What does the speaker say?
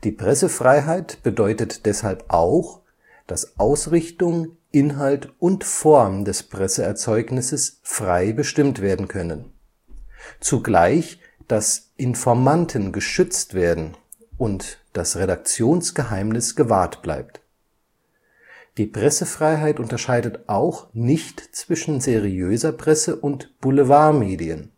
Pressefreiheit bedeutet deshalb auch, dass Ausrichtung, Inhalt und Form des Presseerzeugnisses frei bestimmt werden können; zugleich, dass Informanten geschützt werden und das Redaktionsgeheimnis gewahrt bleibt. Die Pressefreiheit unterscheidet auch nicht zwischen seriöser Presse und Boulevardmedien